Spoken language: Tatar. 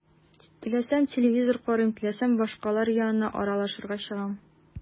Теләсәм – телевизор карыйм, теләсәм – башкалар янына аралашырга чыгам.